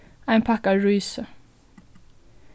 ein pakka av rísi